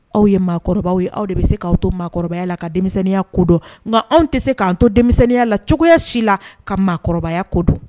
Aw ye maakɔrɔbaw ye aw de be se k'aw to maakɔrɔbaya la ka denmisɛnniya ko don ŋa anw te se k'an to denmisɛnniya la cogoya si la ka maakɔrɔbaya ko dɔn